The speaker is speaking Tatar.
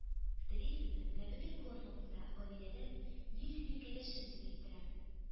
Телисезме, менә бөтен класс алдында Гадиләдән мин синең кәләшең дип әйттертәм